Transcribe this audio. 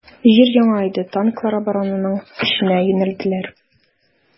Җир яна иде, танклар оборонаның эченә юнәлделәр.